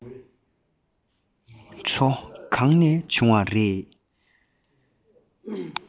གྲོ གང ནས བྱུང བ རེད